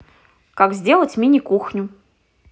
как сделать мини кухню